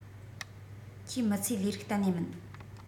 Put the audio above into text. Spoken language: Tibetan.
ཁྱོའི མི ཚེའི ལས རིགས གཏན ནས མིན